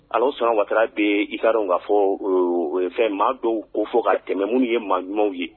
Alahu subahana watala de ye i ka dɔn k'a fɔ o ye fɛn maa dɔw kofɔ ka tɛmɛ minnu ye maa ɲumanw ye